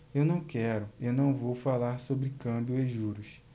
eu não quero e não vou falar sobre câmbio e juros